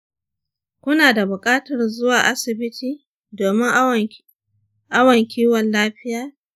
ku na da buƙatar zuwa asibiti domin awon kiwon-lafiya